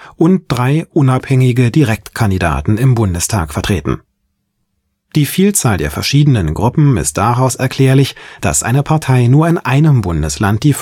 und drei unabhängige Direktkandidaten im Bundestag vertreten. Die Vielzahl der verschiedenen Gruppen ist daraus erklärlich, dass eine Partei nur in einem Bundesland die